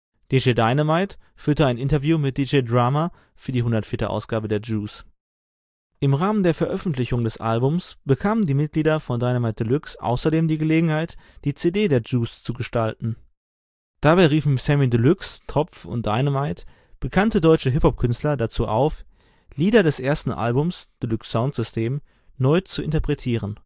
DJ Dynamite führte ein Interview mit DJ Drama für die 104. Ausgabe der Juice. Im Rahmen der Veröffentlichung des Albums bekamen die Mitglieder von Dynamite Deluxe außerdem die Gelegenheit die CD der Juice zu gestalten. Dabei riefen Samy Deluxe, Tropf und Dynamite bekannte deutsche Hip-Hop-Künstler dazu auf, Lieder des ersten Albums Deluxe Soundsystem neu zu interpretieren